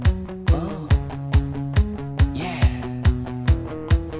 ố dê ố